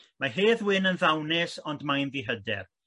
Ma' Hedd Wyn yn ddawnus ond mae'n ddihyder.